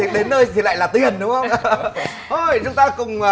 đến nơi thì lại là tiền đúng không ờ hờ hợ thôi chúng ta cùng